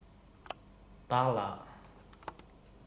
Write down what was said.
བདག ལ